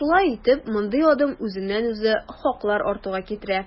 Шулай итеп, мондый адым үзеннән-үзе хаклар артуга китерә.